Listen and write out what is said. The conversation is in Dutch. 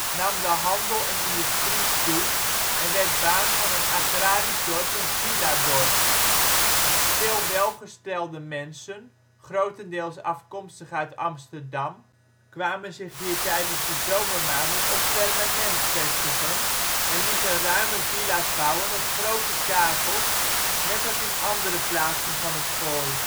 nam de handel en industrie toe en werd Baarn van een agrarisch dorp een villadorp. Veel welgestelde mensen, grotendeels afkomstig uit Amsterdam, kwamen zich hier tijdens de zomermaanden of permanent vestigen en lieten ruime villa 's bouwen op grote kavels, net als in andere plaatsen van het Gooi